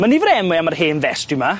Ma nifer o enwe am yr hen festri 'ma.